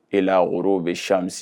E la o bɛaami